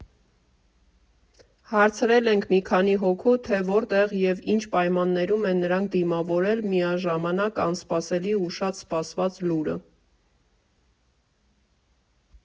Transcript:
Հարցրել ենք մի քանի հոգու, թե որտեղ և ինչ պայմաններում են նրանք դիմավորել միաժամանակ անսպասելի ու շատ սպասված լուրը։